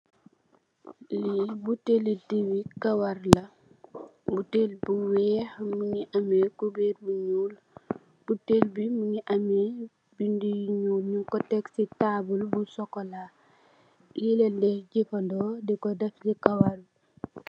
Lii buttel li diiw wi kawar la buttel bu weex mungi ame cubeer bu ñuul. Buttel bi mungi ame bindi yu ñuul nyung ku tek ci taabul bu sokola, lii lañ de jefandikoo ci kawar.